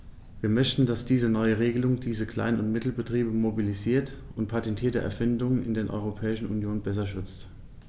Wir möchten, dass diese neue Regelung diese Klein- und Mittelbetriebe mobilisiert und patentierte Erfindungen in der Europäischen Union besser schützt.